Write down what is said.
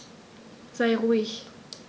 Sei ruhig.